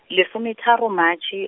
lesometharo Matšhe.